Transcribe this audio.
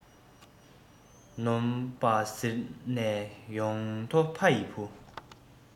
ནོམ པ འཛིར ནས ཡོད དོ ཕ ཡི བུ